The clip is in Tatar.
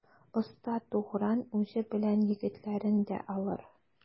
Оста Тугран үзе белән егетләрен дә алыр.